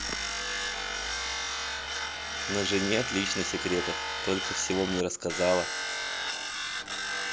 на жене отлично секретов только всего мне рассказала